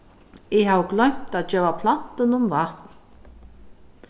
eg havi gloymt at geva plantunum vatn